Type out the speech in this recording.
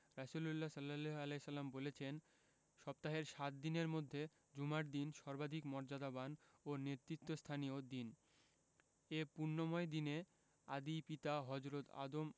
রাসুলুল্লাহ সা বলেছেন সপ্তাহের সাত দিনের মধ্যে জুমার দিন সর্বাধিক মর্যাদাবান ও নেতৃত্বস্থানীয় দিন এ পুণ্যময় দিনে আদি পিতা হজরত আদম